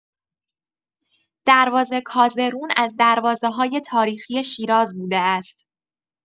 دروازه کازرون از دروازه‌های تاریخی شیراز بوده است.